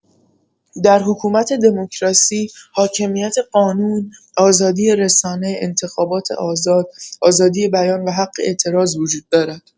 در حکومت دموکراسی، حاکمیت قانون، آزادی رسانه، انتخابات آزاد، آزادی بیان و حق اعتراض وجود دارد.